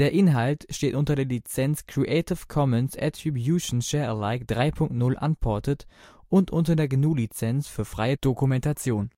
Inhalt steht unter der Lizenz Creative Commons Attribution Share Alike 3 Punkt 0 Unported und unter der GNU Lizenz für freie Dokumentation